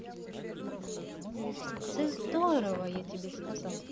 the здорово я тебе сказал